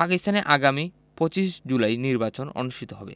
পাকিস্তানে আগামী ২৫ জুলাই নির্বাচন অনুষ্ঠিত হবে